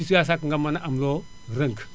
te bés bu yàlla sakk nga mën a am loo rënk